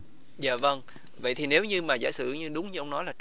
dạ vâng vậy thì nếu như mà giả sử mà đúng như ông nói